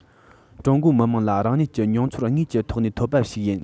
ཀྲུང གོའི མི དམངས ལ རང ཉིད ཀྱི མྱོང ཚོར དངོས ཀྱི ཐོག ནས ཐོབ པ ཞིག ཡིན